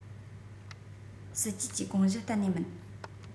སྲིད ཇུས ཀྱི དགོངས གཞི གཏན ནས མིན